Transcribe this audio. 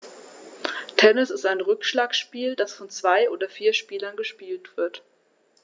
Tennis ist ein Rückschlagspiel, das von zwei oder vier Spielern gespielt wird.